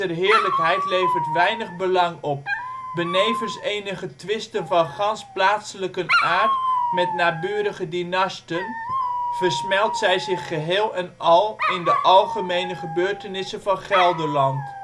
heerlijkheid levert weinig belang op: benevens eenige twisten van gansch plaetselyken aerd met naburige dynasten, versmelt zy zich geheel en al in de algemeene gebeurtenissen van Gelderland